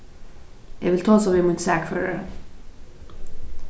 eg vil tosa við mín sakførara